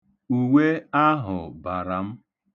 Uwe ahụ bara m.